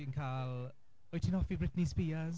Fi'n cael "wyt ti'n hoffi Britney Spears"?